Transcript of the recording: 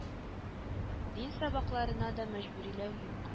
Дин сабакларына да мәҗбүриләү юк